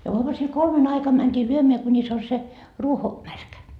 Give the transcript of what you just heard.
ja aamusilla kolmen aikana mentiin lyömään kunis on se ruoko märkä